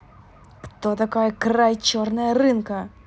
кто такая край черная рынка